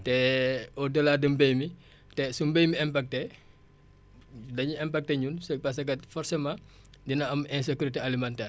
te au delà de mbéy mi te su mbéy mi impacter dañuy impacter ñun c' est parce que forcément dina am insécurité alimentaire